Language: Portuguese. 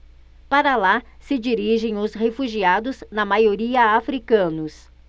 para lá se dirigem os refugiados na maioria hútus